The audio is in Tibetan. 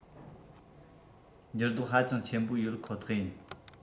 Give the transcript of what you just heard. འགྱུར ལྡོག ཧ ཅང ཆེན པོ ཡོད ཁོ ཐག ཡིན